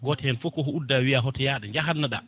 goto hen foof koko udda wiiya hoto yaade to jahanno ɗa